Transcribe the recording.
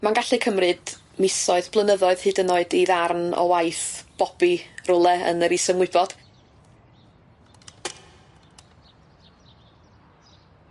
Ma'n gallu cymryd misoedd, blynyddoedd hyd yn oed i ddarn o waith bobi rywle yn yr is-ymwybod.